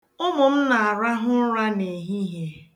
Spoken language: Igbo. Ụmụ m na-arahụ ụra n'ehihie.